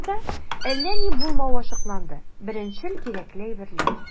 Ахырда, әллә ни булмавы ачыкланды - беренчел кирәкле әйберләр.